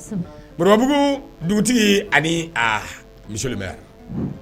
Bababugu dugutigi ani misi